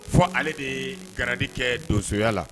Fɔ ale de garidi kɛ donsoya la